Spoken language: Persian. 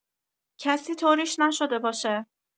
کسی طوریش نشده باشه!